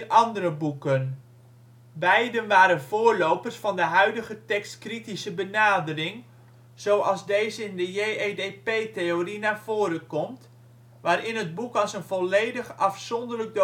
andere boeken. Beiden waren voorlopers van de huidige tekstkritische benadering, zoals deze in de JEDP-theorie naar voren komt, waarin het boek als een volledig afzonderlijk